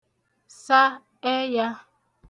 sa ẹyā